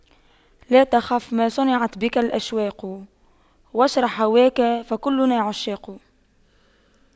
لا تخف ما صنعت بك الأشواق واشرح هواك فكلنا عشاق